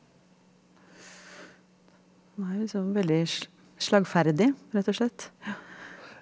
han er jo liksom veldig slagferdig, rett og slett ja.